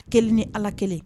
Kelen ni allah kelen